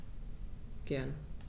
Gern.